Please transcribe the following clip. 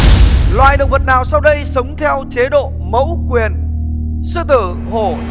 loài động vật nào sau đây sống theo chế độ mẫu quyền sư tử hổ